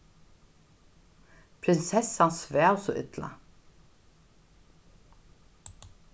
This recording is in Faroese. prinsessan svav so illa